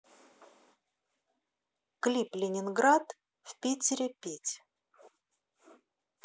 клип ленинград в питере пить